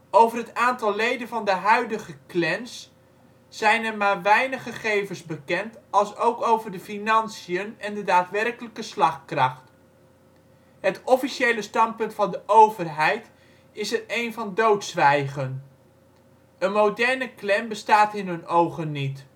Over het aantal leden van de huidige " Klans " zijn er maar weinig gegevens bekend alsook over de financiën en de daadwerkelijke slagkracht. Het officiële standpunt van de overheid is er één van doodzwijgen. Een moderne Klan bestaat in hun ogen niet